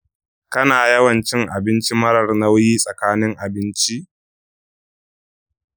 kana yawan ci abinci marar nauyi tsakanin abinci?